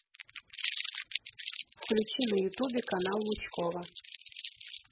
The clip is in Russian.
включи на ютубе канал лучкова